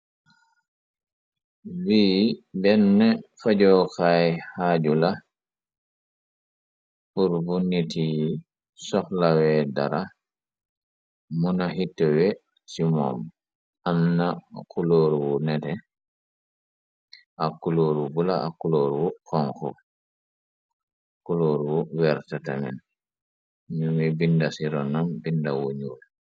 Bii benn fajoxaay xaaju la xurbu niti yi soxlawee dara muna xituwe ci moom amna kulooru wu nete ak kulóoru bula a ooru xonxu kulóor wu weertetamen ñu mi binda ci ronam binda wu ñuul.